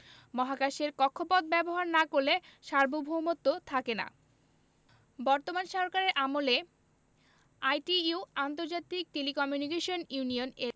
মহাকাশের কক্ষপথ ব্যবহার না করলে সার্বভৌমত্ব থাকে না বর্তমান সরকারের আমলে আইটিইউ আন্তর্জাতিক টেলিকমিউনিকেশন ইউনিয়ন এ